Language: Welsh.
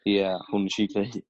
ie hwn neshi greu.